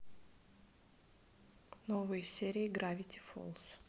новые серии гравити фолз